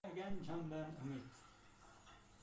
chiqmagan jondan umid